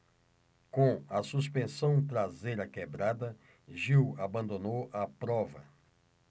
com a suspensão traseira quebrada gil abandonou a prova